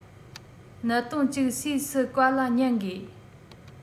གནད དོན གཅིག སུས སུའི བཀའ ལ ཉན དགོས